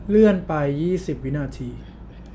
เลื่อนไปยี่สิบวินาที